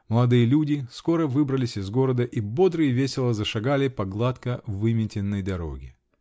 Молодые люди скоро выбрались из города и бодро и весело зашагали по гладко выметенной дороге.